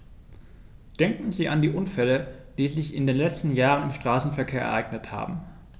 Denken Sie an die Unfälle, die sich in den letzten Jahren im Straßenverkehr ereignet haben.